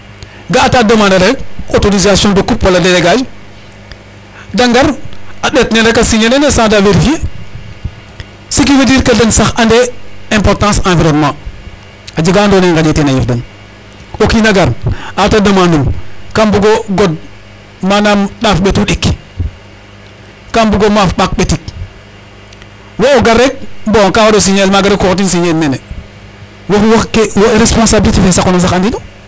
Gaa ataa demande ale rek autorisation de coupe wala da ngar a ɗdeet neen rek a signer sans de vérifier ce qui veut dire que den sax andee importance environnement .A jega wa andoona yee nqaƴee teen a yiif den o kiin a gar a at a demande um: kaam bug o god manaam ndaf ɓetu ɗik kaam bugo maaf ɓak ɓetik wo o gar rek bon ka war o signer el maaga rek o xotin signer in nene wo responsablité fe saqoona sax andino.